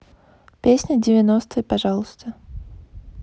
песни девяностые пожалуйста